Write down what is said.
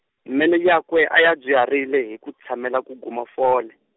meno yakwe a ya dzwiharile hi ku tshamela ku guma fole.